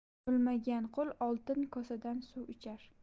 o'lmagan qui oltin kosada suv ichar